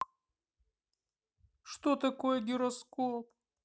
что такое гироскоп